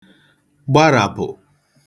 gbaràpụ̀